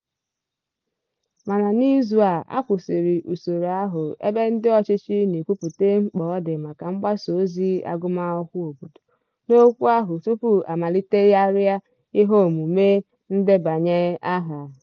Mana n'izu a, a kwụsịrị usoro ahụ, ebe ndị ọchịchị na-ekwupụta mkpa ọ dị maka mgbasaozi "agụmakwụkwọ obodo" n'okwu ahụ tupu a malitegharịa iheomume ndebanyeaha.